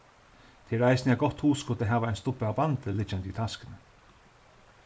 tað er eisini eitt gott hugskot at hava ein stubba av bandi liggjandi í taskuni